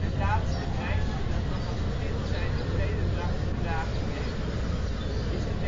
laatste meisje dat nog als kind zijnde klederdracht gedragen heeft is in